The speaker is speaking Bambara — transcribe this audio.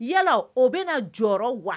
Yala o bɛ na jɔyɔrɔ wa